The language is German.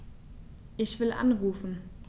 Ich will anrufen.